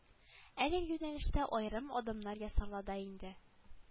Әлеге юнәлештә аерым адымнар ясала да инде